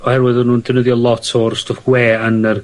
...oherwydd o' nw'n defnyddio lot o'r stwff gwe yn yr